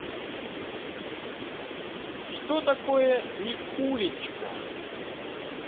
что такое никулечка